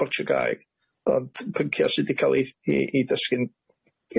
Portiwgaeg ond pyncia sy 'di ca'l 'i 'i 'i dysgu'n